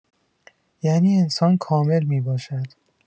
یعنی انسان کامل می‌باشد.